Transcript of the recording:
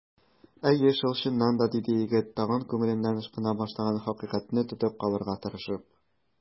Әйе шул, чыннан да! - диде егет, тагын күңеленнән ычкына башлаган хакыйкатьне тотып калырга тырышып.